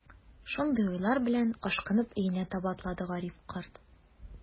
Шундый уйлар белән, ашкынып өенә таба атлады Гариф карт.